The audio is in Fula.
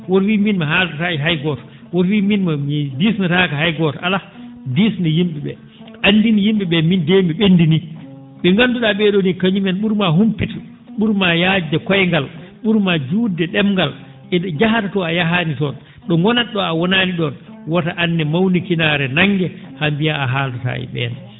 woto wii min mi haaldata e hay gooto woto wii min mi disnotaako hay gooto alaa diisno yim?e ?ee anndin yim?e ?e min de mi ?enndini ?e nganndu?aa ?ee ?oo nii kañumen ?ur maa humpito ?ur maa yaajde koyngal ?ur maa juutde ?emgal e to ?e njahata too a yahaani toon ?o ?e ngonata ?oo a wonaani ?oon woto anne mawnikinaare nannge haa mbiya a haaldataa e ?een